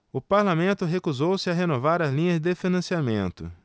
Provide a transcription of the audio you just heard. o parlamento recusou-se a renovar as linhas de financiamento